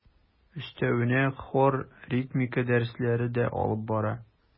Өстәвенә хор, ритмика дәресләре дә алып бара.